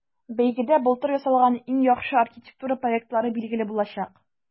Бәйгедә былтыр ясалган иң яхшы архитектура проектлары билгеле булачак.